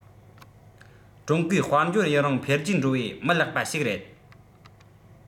ཀྲུང གོའི དཔལ འབྱོར ཡུན རིང འཕེལ རྒྱས འགྲོ བའི མི ལེགས པ ཞིག རེད